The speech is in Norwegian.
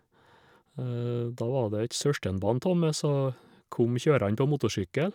Da var det et søskenbarn tå meg som kom kjørende på motorsykkel.